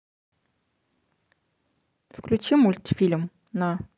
включи мультфильм на